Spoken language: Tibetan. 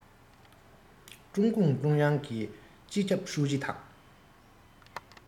ཀྲུང གུང ཀྲུང དབྱང གི སྤྱི ཁྱབ ཧྲུའུ ཅི དང